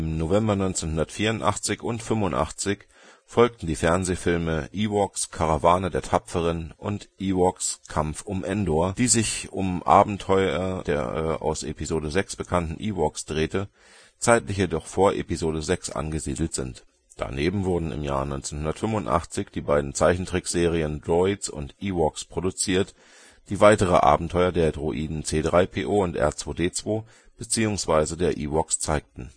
November 1984 und 1985 folgten die Fernsehfilme „ Ewoks: Karawane der Tapferen “(Caravan of Courage) und „ Ewoks: Kampf um Endor “(Battle for Endor), die sich um Abenteuer der aus Episode VI bekannten Ewoks drehte, zeitlich jedoch vor Episode VI angesiedelt sind. Daneben wurden im Jahr 1985 die beiden Zeichentrickserien Droids und Ewoks produziert, die weitere Abenteuer der Droiden C-3PO und R2-D2 bzw. der Ewoks zeigten